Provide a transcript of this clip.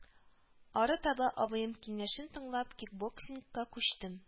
Арытаба, абыем киңәшен тыңлап, кикбоксингка күчтем